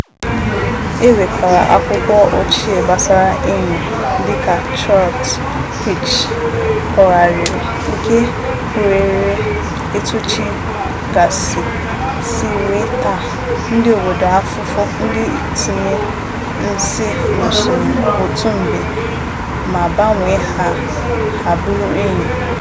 E nwekwara akụkọ ochie gbasara ényí dị ka Chhot Pich kọgharịrị nke kpughere etu chi gasị si wee taa ndị obodo afụfụ ndị tinyere nsí n'osimiri otu mgbe ma gbanwee ha ha bụrụ ényí.